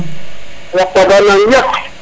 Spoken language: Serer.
koɓale nan yaq